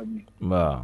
A ni ; Nba